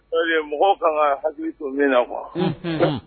Ayi mɔgɔ ka ka hakili to min na wa